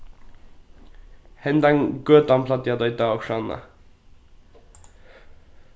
hendan gøtan plagdi at eita okkurt annað